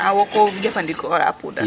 A wo ko jafandikoora poudre?